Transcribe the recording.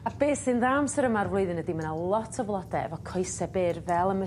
A be' sy'n dda amser yma o'r flwyddyn ydi ma' 'na lot o flode efo coese byr fel y ma'...